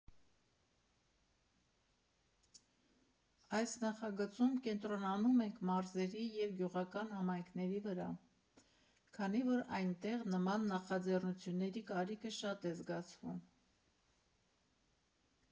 Այս նախագծում կենտրոնանում ենք մարզերի և գյուղական համայնքների վրա, քանի որ այնտեղ նման նախաձեռնությունների կարիքը շատ է զգացվում։